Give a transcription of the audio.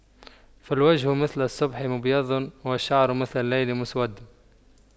فالوجه مثل الصبح مبيض والشعر مثل الليل مسود